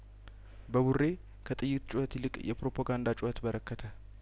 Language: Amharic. በቡሬ ከጥይት ጩኸት ይልቅ የፕሮፖጋንዳ ጩኸት በረከተ